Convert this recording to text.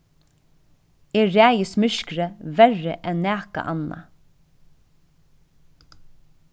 eg ræðist myrkrið verri enn nakað annað